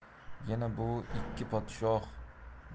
yana bu ikki podsho